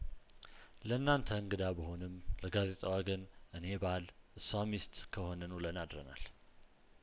ለእናንተ እንግዳ ብሆንም ለጋዜጣዋ ግን እኔባል እሷ ሚስት ከሆንንውለን አድረናል